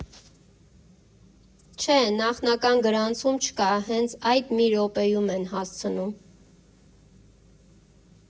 Չէ, նախնական գրանցում չկա, հենց այդ մի րոպեում են հասցնում։